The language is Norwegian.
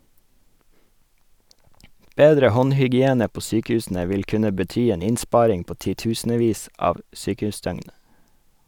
Bedre håndhygiene på sykehusene vil kunne bety en innsparing på titusenvis av sykehusdøgn.